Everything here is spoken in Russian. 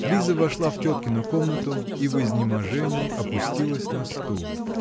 Лиза вошла в теткину комнату и в изнеможении опустилась на стул.